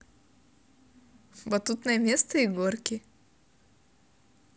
батутное место и горки